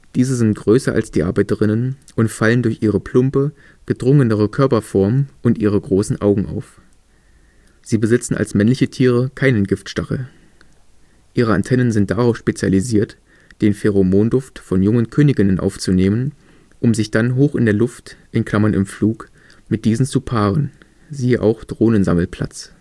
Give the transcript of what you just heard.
Diese sind größer als die Arbeiterinnen und fallen durch ihre plumpe, gedrungenere Körperform und ihre großen Augen auf. Sie besitzen als männliche Tiere keinen Giftstachel. Ihre Antennen sind darauf spezialisiert, den Pheromonduft von jungen Königinnen aufzunehmen, um sich dann hoch in der Luft (im Flug) mit diesen zu paaren, siehe auch Drohnensammelplatz